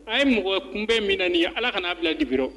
A ye mɔgɔ kunbɛn min na nin Ala kan'a bila dibi la.